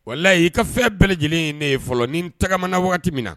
Wala layi i ka fɛn bɛɛ lajɛlen in ne ye fɔlɔ ni tagamana wagati min na